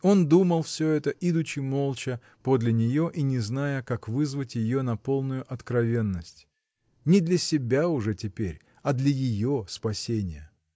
Он думал всё это, идучи молча подле нее и не зная, как вызвать ее на полную откровенность — не для себя уже теперь, а для ее спасения.